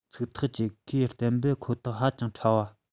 ཚིག ཐག བཅད ཁོ པའི གཏན འབེབས ཁོ ཐག ཧ ཅང ཕྲ བ